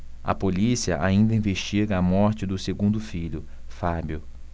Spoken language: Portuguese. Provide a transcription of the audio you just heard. a polícia ainda investiga a morte do segundo filho fábio